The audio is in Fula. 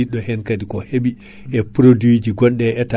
e bele hande o